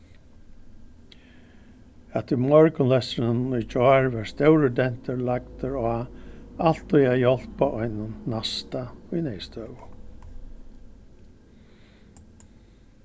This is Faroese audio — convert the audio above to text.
at í morgunlestrinum í gjár varð stórur dentur lagdur á altíð at hjálpa einum næsta í neyðstøðu